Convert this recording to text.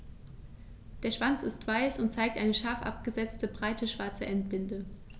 Der Schwanz ist weiß und zeigt eine scharf abgesetzte, breite schwarze Endbinde.